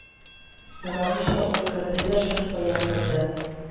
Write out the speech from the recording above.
Сорамыйча ук керде дә шырпы яндырды